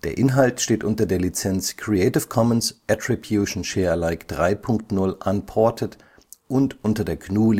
Inhalt steht unter der Lizenz Creative Commons Attribution Share Alike 3 Punkt 0 Unported und unter der GNU